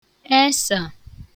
esà